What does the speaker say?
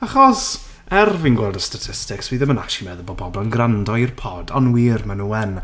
Achos er fi'n gweld y statistics fi ddim yn acshyli meddwl bo' pobl yn gwrando i'r pod ond wir ma' nhw yn!